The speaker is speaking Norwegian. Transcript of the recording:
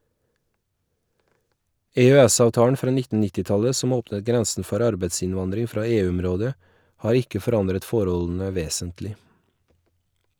EØS-avtalen fra 1990-tallet som åpnet grensen for arbeidsinnvandring fra EU-området, har ikke forandret forholdene vesentlig.